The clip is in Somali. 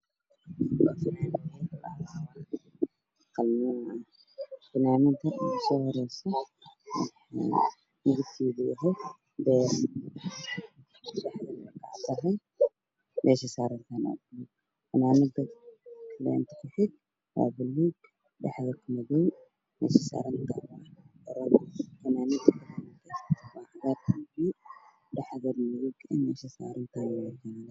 Funaanad waxa ugu soo horaysa midabkeeduyahaysarin meeshay saarantahay